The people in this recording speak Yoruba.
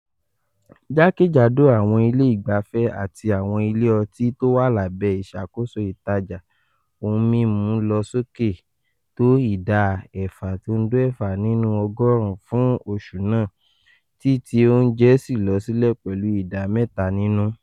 Jákèjádò àwọn ilé ìgbafẹ́ àti àwọn ilé ọtí tó wà lábẹ́ ìṣàkoso ìtàjà ohun mímu lọ sókè tó ìdá 6.6 nínú ọgọ́ọ̀rún fún oṣù náà, tí ti óùnjẹ síì lọ sílẹ̀ pẹ̀lu ìdá mẹ́ta nínú ."